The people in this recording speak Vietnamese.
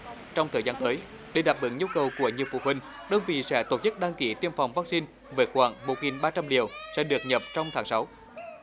trong thời gian tới để đáp ứng nhu cầu của nhiều phụ huynh đơn vị sẽ tổ chức đăng ký tiêm phòng vắc xin với khoảng một nghìn ba trăm liều sẽ được nhập trong tháng sáu